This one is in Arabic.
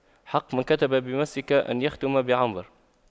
حق من كتب بمسك أن يختم بعنبر